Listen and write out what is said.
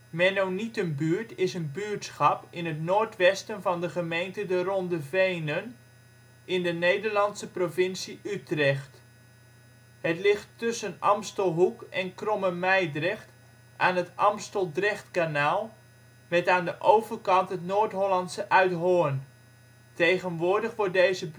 Mennonietenbuurt is een buurtschap in het noordwesten van de gemeente De Ronde Venen en de Nederlandse provincie Utrecht. Het ligt tussen Amstelhoek en Kromme Mijdrecht aan het Amstel-Drechtkanaal, met aan de overkant het Noord-Hollandse Uithoorn. Tegenwoordig wordt deze